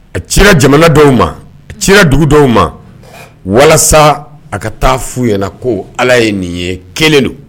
A ci jamana dɔw ma ci dugu dɔw ma walasa a ka taa fo ɲɛna ko ala ye nin ye kelen don